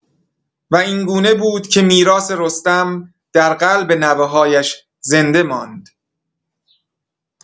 و این‌گونه بود که میراث رستم، در قلب نوه‌هایش زنده ماند.